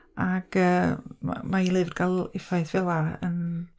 Ac yy, m- ma', i lyfr gael effaith fel'a, yn...